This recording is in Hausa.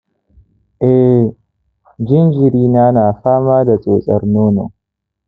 eh, jinjirina na fama da tsotsar nono